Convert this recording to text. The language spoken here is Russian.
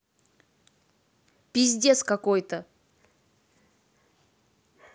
пиздец какой то